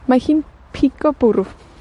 Mae hi'n pigo bwrw.